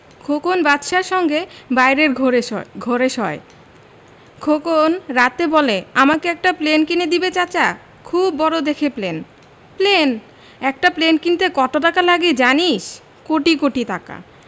খোকন বাদশার সঙ্গে বাইরের ঘোরে শয় ঘরে শোয় খোকন রাতে বলে আমাকে একটা প্লেন কিনে দিবে চাচা খুব বড় দেখে প্লেন প্লেন একটা প্লেন কিনতে কত টাকা লাগে জানিস কোটি কোটি টাকা